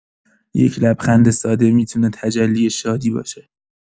یه لبخند ساده می‌تونه تجلی شادی باشه.